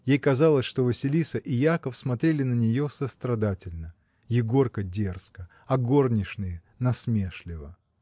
Ей казалось, что Василиса и Яков смотрели на нее сострадательно, Егорка дерзко, а горничные насмешливо.